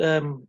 yym